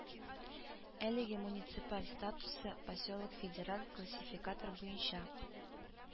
Әлегә муниципаль статусы поселок федераль классификатор буенча